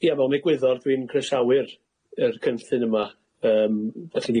ia mewn egwyddor dwi'n croesawu'r yr cynllun yma yym 'dach chi